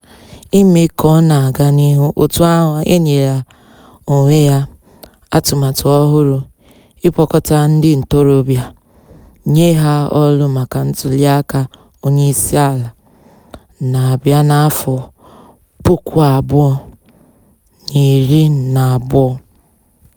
Ime ka ọ na-aga n'ihu, otu ahụ enyela onwe ya atụmatụ ọhụrụ: ịkpọkọta ndị ntorobịa, nye ha olu maka ntuliaka onyeisala na-abịa n'afọ puku abụọ na iri na abụọ.